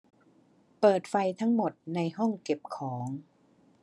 เปิดไฟทั้งหมดในห้องเก็บของ